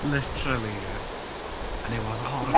Literally. And it was a horror.